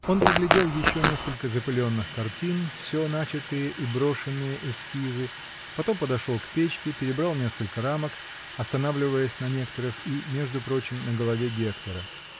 Он поглядел еще несколько запыленных картин: всё начатые и брошенные эскизы, потом подошел к печке, перебрал несколько рамок, останавливаясь на некоторых и, между прочим, на голове Гектора.